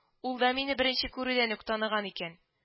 Ул да мине беренче күрүдән үк таныган икән